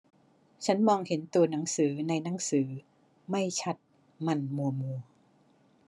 ฉันมองเห็นตัวหนังสือในหนังสือไม่ชัดมันมัวมัว